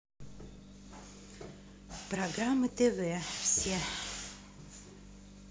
программы тв все